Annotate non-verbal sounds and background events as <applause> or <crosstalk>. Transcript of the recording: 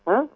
<hesitation>